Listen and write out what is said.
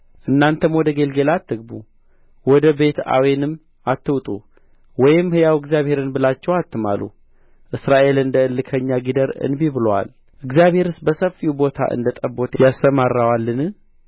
እናንተም ወደ ጌልገላ አትግቡ ወደ ቤትአዌንም አትውጡ ወይም ሕያው እግዚአብሔርን ብላችሁ አትማሉ እስራኤል እንደ እልከኛ ጊደር እንቢ ብሎአል እግዚአብሔርስ በሰፊው ቦታ እንደ ጠቦት ያሰማራዋልን